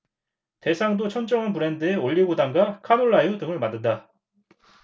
대상도 청정원 브랜드의 올리고당과 카놀라유 등을 만든다